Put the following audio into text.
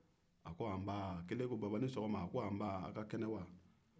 a ko nbaa a' ka kɛnɛ wa